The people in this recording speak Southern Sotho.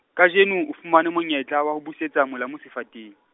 kajeno, o fumane monyetla, wa ho busetsa molamu, sefateng.